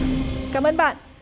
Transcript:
cảm ơn bạn